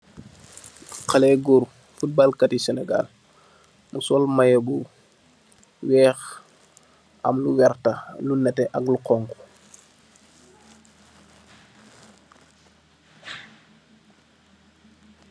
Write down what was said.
Xalé Goor, fuutbool kat yi Sénégaal, mu sol maye bu weex, am lu werta, lu nétté ak lu xoñgu.